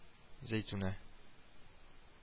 Зәйтүнә